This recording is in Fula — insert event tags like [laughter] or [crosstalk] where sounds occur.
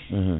[hesitation] [hesitation]